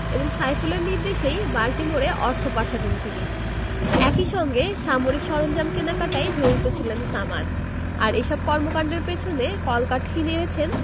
এবং সাইফুলের নির্দেশেই বাল্টিমোরে অর্থ পাঠাতেন তিনি একই সঙ্গে সামরিক সরঞ্জাম কেনাকাটায় জড়িত ছিলেন সামাদ আর এসব কর্মকাণ্ডের পেছনে কলকাঠি নেড়েছেন